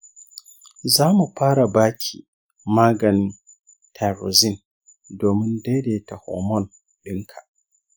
zamu fara baki maganin thyroxine domin daidaita hormone ɗinka.